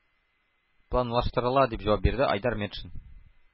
Планлаштырыла, – дип җавап бирде айдар метшин.